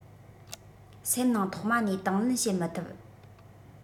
སེམས ནང ཐོག མ ནས དང ལེན བྱེད མི ཐུབ